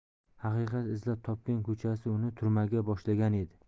haqiqat izlab topgan ko'chasi uni turmaga boshlagan edi